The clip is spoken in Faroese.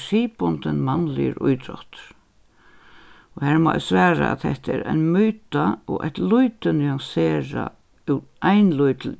siðbundin mannligur ítróttur og har má eg svara at hetta er ein myta og eitt lítið nuanserað ein lítil